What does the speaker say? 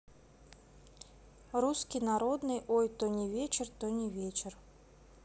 русский народный ой то не вечер то не вечер